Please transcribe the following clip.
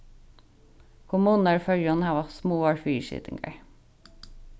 kommunurnar í føroyum hava smáar fyrisitingar